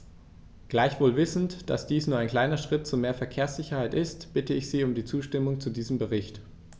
Gleichwohl wissend, dass dies nur ein kleiner Schritt zu mehr Verkehrssicherheit ist, bitte ich Sie um die Zustimmung zu diesem Bericht.